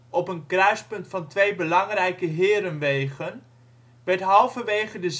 op een kruispunt van twee belangrijke herenwegen, werd halverwege de